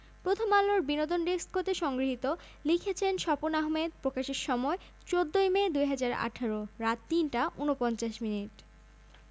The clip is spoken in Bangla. বিয়েতে ব্যবহৃত অনেক ফুল আর পাতা সংগ্রহ করা হবে রাজপরিবারের নিজস্ব ক্রাউন এস্টেট আর উইন্ডসর গ্রেট পার্কের বাগান থেকে